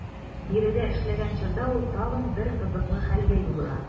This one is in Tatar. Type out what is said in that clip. Биредә эшләгән чорда ул тагын бер кызыклы хәлгә юлыга.